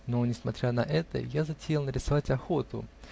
но, несмотря на это, я затеял нарисовать охоту.